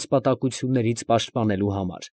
Ասպատակություններից պաշտպանելու համար։